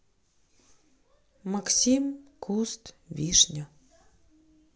максим куст вишня